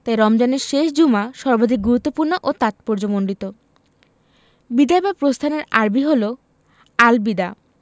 তাই রমজানের শেষ জুমা সর্বাধিক গুরুত্বপূর্ণ ও তাৎপর্যমণ্ডিত বিদায় বা প্রস্থানের আরবি হলো আল বিদা